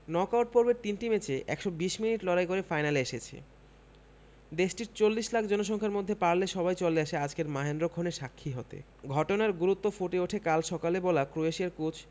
knock out পর্বের তিনটি ম্যাচে ১২০ মিনিট লড়াই করে ফাইনালে এসেছে দেশটির ৪০ লাখ জনসংখ্যার মধ্যে পারলে সবাই চলে আসে আজকের মাহেন্দ্রক্ষণের সাক্ষী হতে ঘটনার গুরুত্ব ফুটে ওঠে কাল সকালে বলা ক্রোয়েশিয়ার কোচ